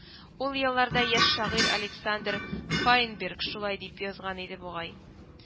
— ул елларда яшь шагыйрь александр файнберг шулай дип язган иде бугай